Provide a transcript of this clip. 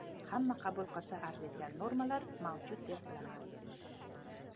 hamma qabul qilsa arziydigan qadriyatlar mavjud deb bilaman